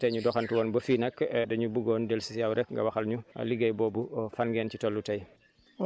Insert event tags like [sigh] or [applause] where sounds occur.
waaye tey ñu doxantu woon ba fii nag [hesitation] dañu buggoon dellu si si yow rek nga waxal ñu liggéey boobu fan ngeen ci toll tey